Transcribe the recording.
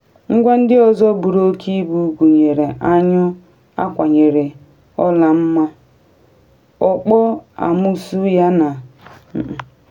Ngwa ndị ọzọ buru oke ibu gụnyere anyụ akwanyere ọla mma, okpo amusu yana nfueru - mana emeghị ka ha nye isi gị okpomọkụ.